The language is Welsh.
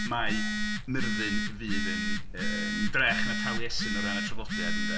Mae Myrddin fydd yn yy yn drech 'na Taliesin o ran y traddodiad ynde